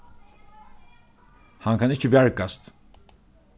hann kann ikki bjargast